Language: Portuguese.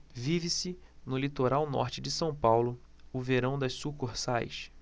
vive-se no litoral norte de são paulo o verão das sucursais